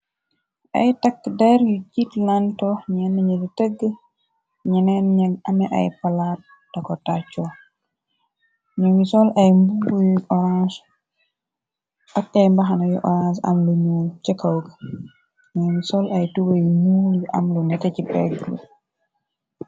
Ay takk der yu jiit lantox ñenn ñu di tëgg ñeneen g ame ay palaatako tacco iolmrngeak ay mbaxana yu orange am lu ñu cekkaw ga ñoy mi sol ay tugé yu muul yu am lu nete ci begg gi.